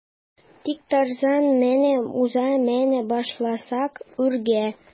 Тик Тарзан мине уза менә башласак үргә.